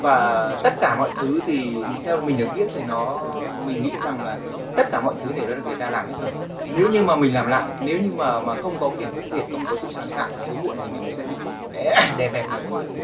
và tất cả mọi thứ thì theo mình được biết thì nó mình nghĩ rằng là tất cả mọi thứ đều đã được người ta làm hết rồi nếu như mà mình làm lại nếu như mà mà không có cái điểm khác biệt không có sự sáng tạo thì sớm muộn thì mình sẽ bị đè bẹp mà thôi